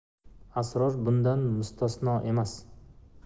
asror bundan mustasno emas